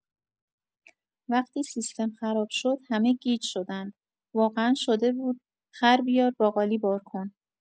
وقتی سیستم خراب شد، همه گیج شدند، واقعا شده بود خر بیار باقالی بار کن.